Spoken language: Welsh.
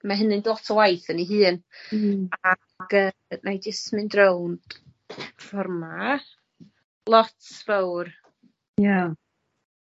ma' hynny'n dlot o waith yn ei hun . Hmm. Ag yy nâi jyst mynd rownd ffor 'ma. Lot fowr... Ie.